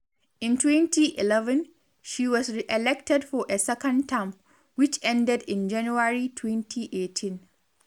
In 2011, she was re-elected for a second term, which ended in January 2018.